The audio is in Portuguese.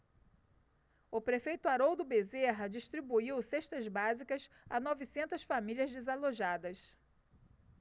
o prefeito haroldo bezerra distribuiu cestas básicas a novecentas famílias desalojadas